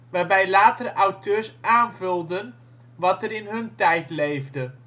waarbij latere auteurs aanvulden met wat er in hun tijd leefde